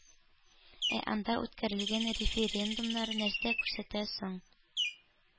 Ә анда үткәрелгән референдумнар нәрсә күрсәтте соң?